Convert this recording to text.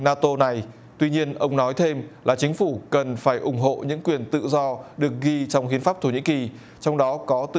na tô này tuy nhiên ông nói thêm là chính phủ cần phải ủng hộ những quyền tự do được ghi trong hiến pháp thổ nhĩ kỳ trong đó có tự